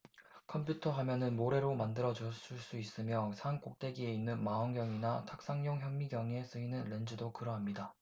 컴퓨터 화면은 모래로 만들어졌을 수 있으며 산꼭대기에 있는 망원경이나 탁상용 현미경에 쓰이는 렌즈도 그러합니다